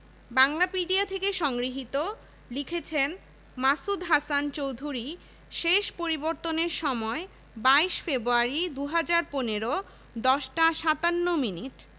সংস্কৃত ও বাংলা ইংরেজি ইতিহাস আরবি ও ইসলামিক স্টাডিজ ফার্সি ও উর্দু দর্শন এবং রাজনৈতিক অর্থনীতি